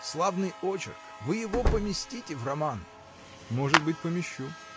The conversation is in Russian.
Славный очерк: вы его поместите в роман. — Может быть, помещу.